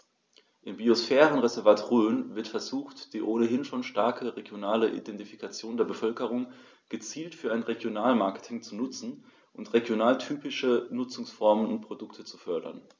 Im Biosphärenreservat Rhön wird versucht, die ohnehin schon starke regionale Identifikation der Bevölkerung gezielt für ein Regionalmarketing zu nutzen und regionaltypische Nutzungsformen und Produkte zu fördern.